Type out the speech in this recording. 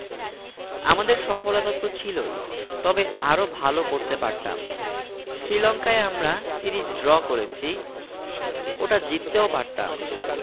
আমাদের সফলতা তো ছিলই তবে আরও ভালো করতে পারতাম শ্রীলঙ্কায় আমরা সিরিজ ড্র করেছি ওটা জিততেও পারতাম